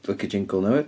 Dwi'n licio jingle newydd.